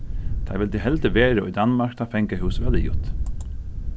teir vildu heldur verða í danmark tá fangahúsið var liðugt